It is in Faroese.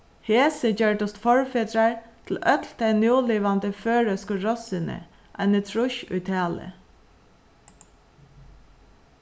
hesi gjørdust forfedrar til øll tey núlivandi føroysku rossini eini trýss í tali